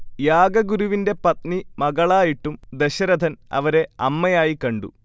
യാഗ ഗുരുവിന്റെ പത്നി മകളായിട്ടും ദശരഥൻ അവരെ അമ്മയായി കണ്ടു